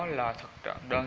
nội